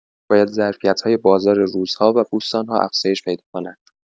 باید ظرفیت‌های بازار روزها و بوستان‌ها افزایش پیدا کند.